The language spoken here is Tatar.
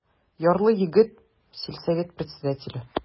Ярлы егет, сельсовет председателе.